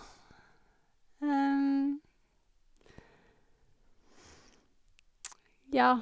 Ja.